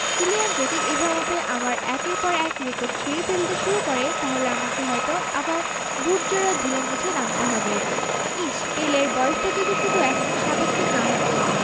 Kylian যদি এভাবে আমার একের পর এক রেকর্ড ছুঁয়ে ফেলতে শুরু করে তাহলে আমাকে হয়তো আবার বুটজোড়ার ধুলো মুছে নামতে হবে ইশ্ পেলের বয়সটা যদি শুধু এখন ৭৭ না হতো